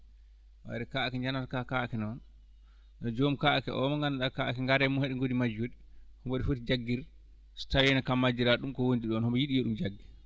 ɓayde kaake njanano ka kaake noon yo joom kaake o o mo ngannduɗaa kaake gaare mum haaɗi gooni majjuɗi mboɗo foti jagguirde so tawii no kam majjiraaɗo ɗum ko wondi ɗon omo yiɗi yo ɗum jagge